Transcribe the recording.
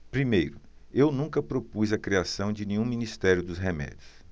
primeiro eu nunca propus a criação de nenhum ministério dos remédios